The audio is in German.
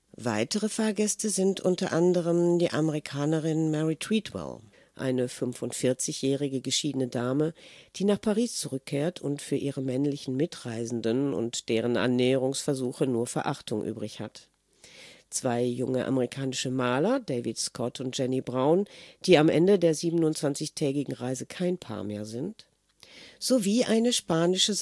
Weitere Fahrgäste sind u.a. die Amerikanerin Mary Treadwell, eine fünfundvierzigjährige geschiedene Dame, die nach Paris zurückkehrt und für ihre männlichen Mitreisenden und deren Annäherungsversuche nur Verachtung übrig hat; zwei junge amerikanische Maler, David Scott und Jenny Brown, die am Ende der 27-tägigen Reise kein Paar mehr sind; sowie eine spanische